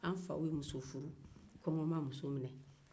an faw ye muso furu kɔgɔn ma muso minɛ